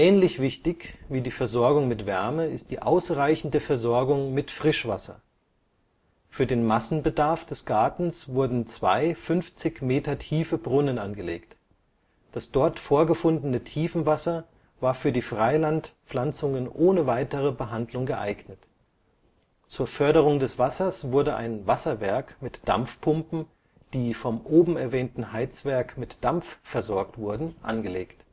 Ähnlich wichtig wie die Versorgung mit Wärme ist die ausreichende Versorgung mit Frischwasser. Für den Massenbedarf des Gartens wurden zwei 50 Meter tiefe Brunnen angelegt. Das dort vorgefundene Tiefenwasser war für die Freilandpflanzungen ohne weitere Behandlung geeignet. Zur Förderung des Wassers wurde ein Wasserwerk mit Dampfpumpen, die vom oben erwähnten Heizwerk mit Dampf versorgt wurden, angelegt